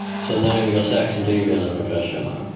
So oedd 'na rywun 'di cael secs yn dreifio a wnaethon nhw crashio a marw?